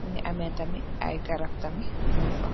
mungi ameh tamit ay garab tamit nung fa.